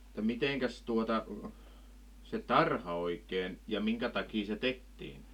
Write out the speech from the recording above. että mitenkäs tuota se tarha oikein ja minkä takia se tehtiin